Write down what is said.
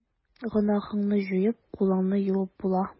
Гөнаһыңны җуеп, кулыңны юып була.